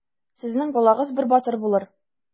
Сезнең балагыз бер батыр булыр.